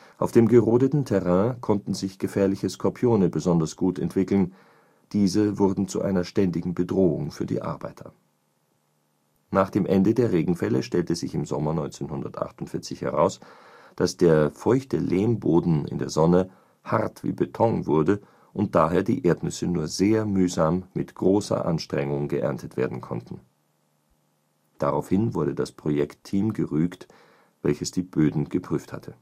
Auf dem gerodeten Terrain konnten sich gefährliche Skorpione besonders gut entwickeln, diese wurden zu einer ständigen Bedrohung für die Arbeiter. Nach dem Ende der Regenfälle stellte sich im Sommer 1948 heraus, dass der feuchte Lehmboden in der Sonne hart wie Beton wurde, und daher die Erdnüsse nur sehr mühsam mit großer Anstrengung geerntet werden konnten. Daraufhin wurde das Projektteam gerügt, welches die Böden geprüft hatte